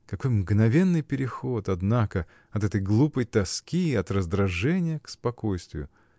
Какой мгновенный переход, однако, от этой глупой тоски, от раздражения к спокойствию!